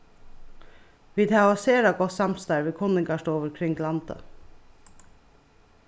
vit hava sera gott samstarv við kunningarstovur kring landið